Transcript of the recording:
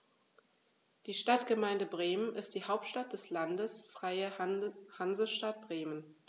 Die Stadtgemeinde Bremen ist die Hauptstadt des Landes Freie Hansestadt Bremen.